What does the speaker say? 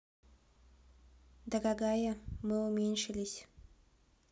дорогая мы уменьшились